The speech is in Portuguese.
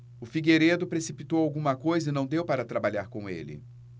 o figueiredo precipitou alguma coisa e não deu para trabalhar com ele